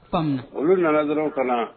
Kɔn olu nana dɔrɔnraw ka